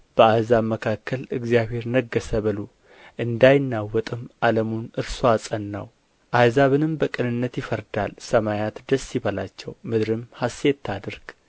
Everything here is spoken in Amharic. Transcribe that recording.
በአሕዛብ መካከል እግዚአብሔር ነገሠ በሉ እንዳይናወጥም ዓለሙን እርሱ አጸናው አሕዛብንም በቅንነት ይፈርዳል ሰማያት ደስ ይበላቸው ምድርም ሐሤትን ታድርግ